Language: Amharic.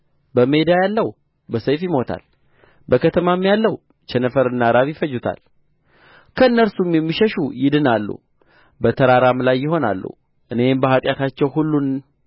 በሜዳ ያለው በሰይፍ ይሞታል በከተማም ያለውን ቸነፈርና ራብ ይፈጁታል ከእነርሱም የሚሸሹ ይድናሉ በተራራም ላይ ይሆናሉ እኔም በኃጢአታቸው ሁሉን